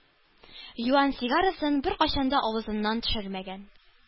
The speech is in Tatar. Юан сигарасын беркайчан да авызыннан төшермәгән